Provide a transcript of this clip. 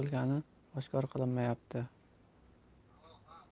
bo'lgani oshkor qilinmayapti